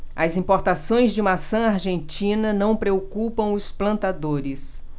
as importações de maçã argentina não preocupam os plantadores